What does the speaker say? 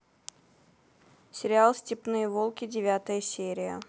сериал степные волки девятая серия